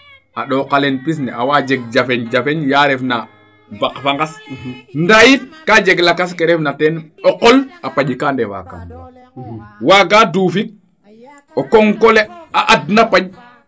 a ɗooka le pis ne a waa jeg jafe jafe yaa ref na qbaq fa ngas daa yit kaa jeg lakas ka ref na teen o qol a paƴ kaa ndefa kam waaga duufik o konko le a adna panj